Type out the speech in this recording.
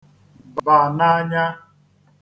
ba n’anya